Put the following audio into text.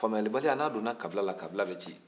famuyalibaliya n'a donna kabila la kabila bɛ ciyɛn